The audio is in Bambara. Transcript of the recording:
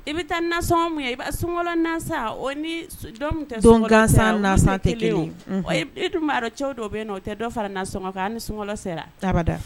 I bɛ taa nasɔn min ye i sun nasa o ni la tɛ e tun bɛ'rɔ cɛw dɔ bɛ yen o tɛ dɔ fara nasɔn kan an ni sunlɔ sera tabada